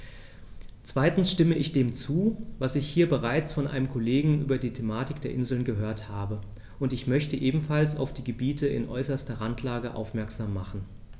Zweitens stimme ich dem zu, was ich hier bereits von einem Kollegen über die Thematik der Inseln gehört habe, und ich möchte ebenfalls auf die Gebiete in äußerster Randlage aufmerksam machen.